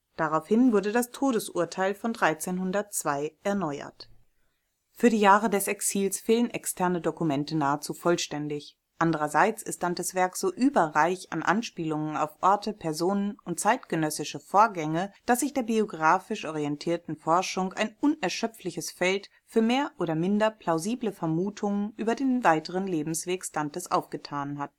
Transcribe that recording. Daraufhin wurde das Todesurteil von 1302 erneuert. Kenotaph in der Basilika Santa Croce in Florenz Dantes Grabmal in Ravenna Für die Jahre des Exils fehlen externe Dokumente nahezu vollständig, andererseits ist Dantes Werk so überreich an Anspielungen auf Orte, Personen und zeitgenössische Vorgänge, dass sich der biografisch orientierten Forschung ein unerschöpfliches Feld für mehr oder minder plausible Vermutungen über den weiteren Lebensweg Dantes aufgetan hat